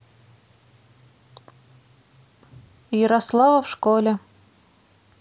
ярослава в школе